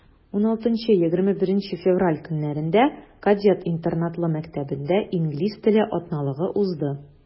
16-21 февраль көннәрендә кадет интернатлы мәктәбендә инглиз теле атналыгы узды.